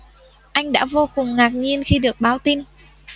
anh đã vô cùng ngạc nhiên khi được báo tin